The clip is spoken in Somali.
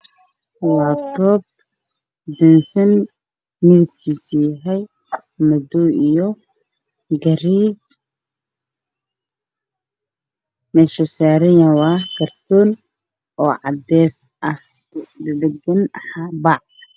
Waa laabtoob dansan midab kiisu yahay madow